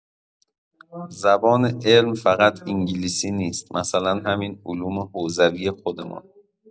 زبان علم فقط انگلیسی نیست، مثلا همین علوم حوزوی خودمان.